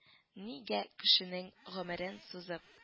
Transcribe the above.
Нигә кешенең гомерен сузып